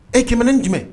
E kɛmɛen jumɛn